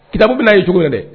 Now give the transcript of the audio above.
Kitabu bɛna ye cogo ye dɛ